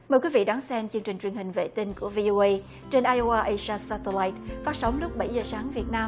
mời quý vị đón xem chương trình truyền hình vệ tinh của vi ô ây trên ai ô a ây sa ta lai phát sóng lúc bảy giờ sáng việt nam